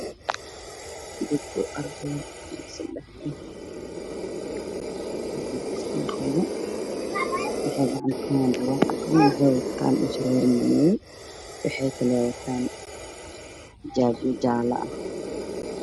Waa school waxaa jooga gabdho cashar ay qaadanayaan waxay wataan cabaayado jaalle ah